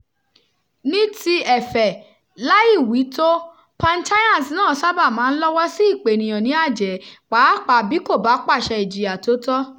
Ní ti ẹ̀fẹ̀, láì wí tó, panchayat náà sábà máa ń lọ́wọ́ sí ìpènìyàn ní àjẹ́ pàápàá bí kò bá pàṣẹ ìjìyà t'ó tọ́.